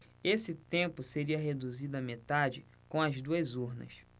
esse tempo seria reduzido à metade com as duas urnas